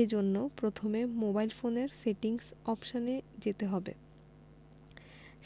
এ জন্য প্রথমে মোবাইল ফোনের সেটিংস অপশনে যেতে হবে